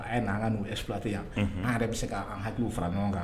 A ye'an ka n' e filati yan an yɛrɛ bɛ se'an hakiliw fara ɲɔgɔn kan